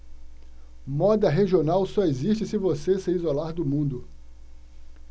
moda regional só existe se você se isolar do mundo